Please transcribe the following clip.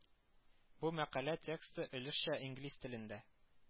Бу мәкалә тексты өлешчә инглиз телендә